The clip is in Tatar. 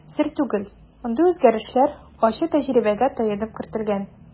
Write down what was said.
Сер түгел, мондый үзгәрешләр ачы тәҗрибәгә таянып кертелгән.